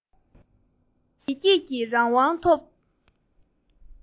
གངས ཅན ཡུལ དུ བདེ སྐྱིད ཀྱི རང དབང ཐོབ